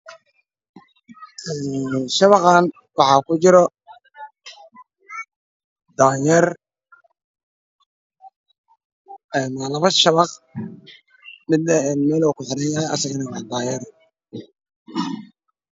Shabaqaan waxa jiro daanyeer waa labo shabaq midba meel bu ku xariira waa daanyeer